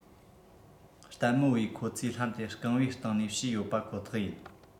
ལྟད མོ བས ཁོ ཚོས ལྷམ དེ རྐང བའི སྟེང ནས བཤུས ཡོད པ ཁོ ཐག ཡིན